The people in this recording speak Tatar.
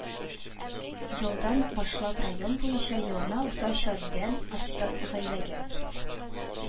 Елдан башлап район буенча елына уртача дән артык гаиләгә